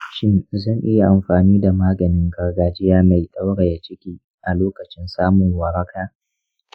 shin zan iya amfani da maganin gargajiya mai ɗauraye ciki a lokacin samun waraka?